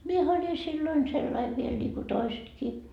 minähän olin silloin sellainen vielä niin kuin toisetkin